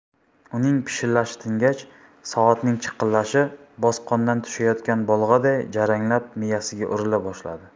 uning pishillashi tingach soatning chiqillashi bosqondan tushayotgan bolg'aday jaranglab miyasiga urila boshladi